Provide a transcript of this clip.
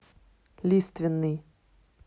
лиственный